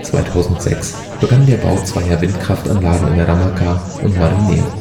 2006 begann der Bau zweier Windkraftanlagen bei Ramacca und Marineo